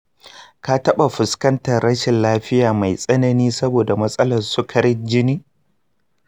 ka taɓa fuskantar rashin lafiya mai tsanani saboda matsalar sukarin jini?